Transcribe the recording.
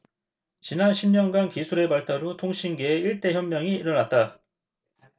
지난 십 년간 기술의 발달로 통신계에 일대 혁명이 일어났다